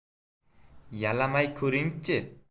yalamay ko'ringchi